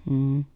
mm